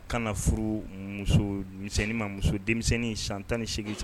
Kana furu musomisɛnn ma, muso denmisɛnnin san 18.